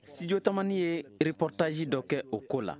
studio tamani ye reportage dɔ kɛ o ko la